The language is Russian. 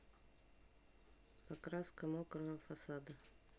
покраска мокрого фасада